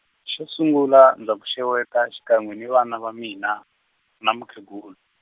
xo sungula ndza ku xeweta xikan'we ni vana va mina, na mukhegulu.